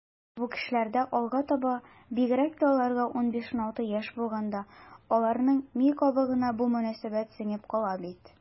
Бу кешеләрдә алга таба, бигрәк тә аларга 15-16 яшь булганда, аларның ми кабыгына бу мөнәсәбәт сеңеп кала бит.